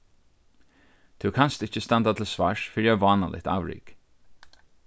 tú kanst ikki standa til svars fyri eitt vánaligt avrik